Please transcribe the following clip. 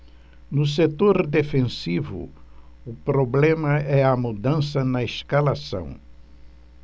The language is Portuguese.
no setor defensivo o problema é a mudança na escalação